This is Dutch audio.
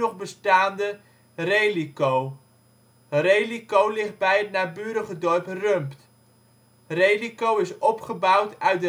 bestaande Rhelico. Rhelico ligt bij het naburige dorp Rumpt. Rhelico is opgebouwd uit